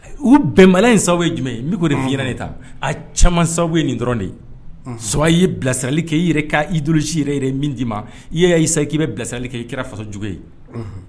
U bɛnba in sababu ye jumɛn ye n bɛ ka o de f'i ɲɛna ni ye tan a caman sababu ye nin dɔrɔn de ye soit i ye bilasirali kɛ i yɛrɛ ka idéologie yɛrɛ yɛrɛ ye min d'i ma i yɛrɛ ya essayé k'i bɛ bilasirali i kɛra fasojugu ye.